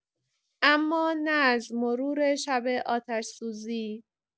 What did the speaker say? اما نه از مرور شب آتش‌سوزی.